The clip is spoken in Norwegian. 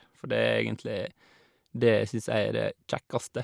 For det er egentlig det jeg syns er det kjekkeste.